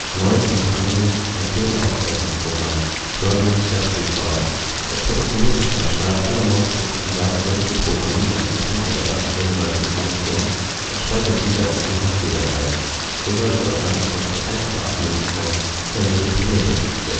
Neu ist unter anderem ein Fehleraufzeichnungsprogramm (Problem Steps Recorder). Es protokolliert nach seinem Start alle Mausklicks und weitere, für Programmierer und Supportmitarbeiter relevante Informationen und speichert diese als MHT-Datei. So soll es laut Microsoft auf einfache Art möglich sein, detaillierte Problemberichte zu